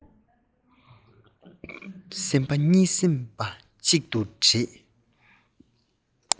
སེམས པ གཉིས སེམས པ གཅིག ཏུ འདྲེས